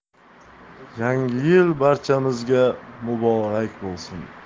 yangi yil barchamizga muborak bo'lsin